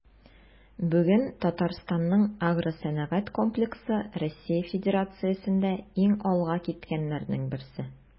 Бүген Татарстанның агросәнәгать комплексы Россия Федерациясендә иң алга киткәннәрнең берсе.